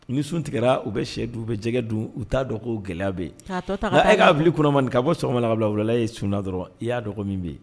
Ni sun tigɛra u bɛ sɛ dun u bɛ jɛgɛ dun u t'a dɔ ko o gɛlɛya be ye k'a tɔ ta ka ŋa e k'a bil'i kunna bani k'a bɔ sɔgɔma la k'a bila wula la e yi sunna dɔrɔn i y'a dɔn ko min be ye